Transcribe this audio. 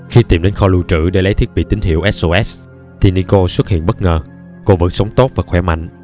khi tìm đến kho lưu trữ để lấy thiết bị tín hiệu sos thì nicole xuất hiện bất ngờ cô vẫn sống tốt và khỏe mạnh